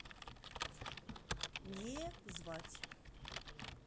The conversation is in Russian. неее звать